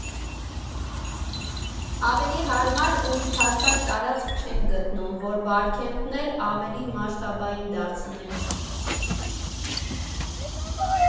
Ավելի հարմար ու ընդարձակ տարածք չենք գտնում, որ Բարքեմփն էլ ավելի մասշտաբային դարձնենք։